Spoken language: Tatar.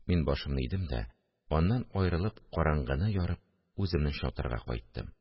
Мин башымны идем дә, аннан аерылып, караңгыны ярып, үземнең чатырга кайттым